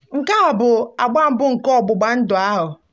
Nke a bụ agba mbụ nke ọgbụgba ndụ ahụ.